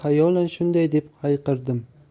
xayolan shunday deb hayqirdim